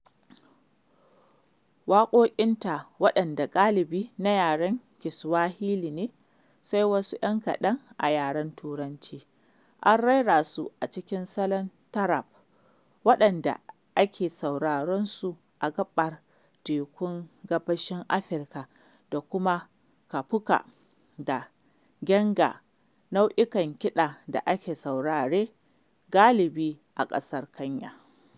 Waƙoƙinta waɗanda galibi na yaren Kiswahili ne, sai wasu 'yan kaɗan a yaren Turanci, an rera su a cikin salon Taarab, wanda ake sauraron su a Gaɓar Tekun Gabashin Afirka da kuma Kapuka da Genge, nau'in kiɗa da ake saurare galibi a ƙasar Kenya.